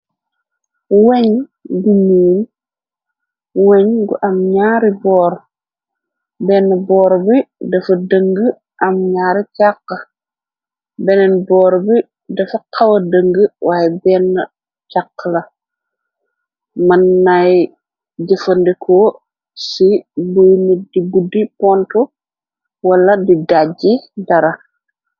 Weñ bu nyuul weñ gu am ñaari boor benn boor bi dafa dëng am ñari beneen boor bi dafa xawa dëng waaye benn càxq la mën nay jëfandekoo ci buy nit di buddi ponto wala di daj ji dara.